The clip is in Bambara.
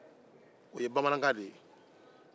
o ye bamanankan de ye